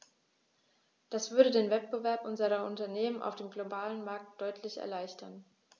Das würde den Wettbewerb unserer Unternehmen auf dem globalen Markt deutlich erleichtern.